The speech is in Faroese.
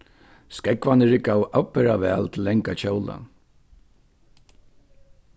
skógvarnir riggaðu avbera væl til langa kjólan